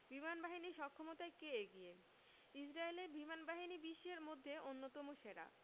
বিমানবাহীর সক্ষমতায় কে এগিয়ে ইসরায়েলের বিমানবাহিনী বিশ্বের মধ্যে অন্যতম সেরা